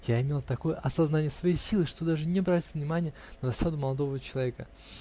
Я имел такое осознание своей силы, что даже не обратил внимание на досаду молодого человека